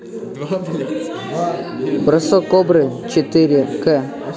бросок кобры четыре к